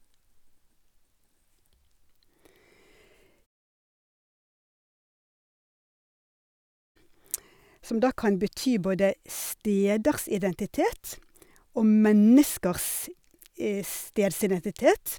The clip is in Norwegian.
Som da kan bety både steders identitet og menneskers stedsidentitet.